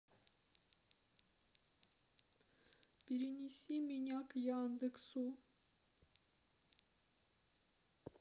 перенеси меня к яндексу